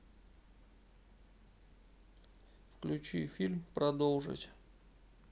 включи фильм продолжить